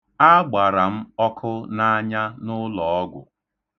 Agbara m ọkụ n'anya n'ụlọọgwụ.